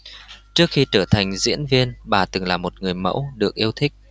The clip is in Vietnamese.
trước khi trở thành diễn viên bà từng là một người mẫu được yêu thích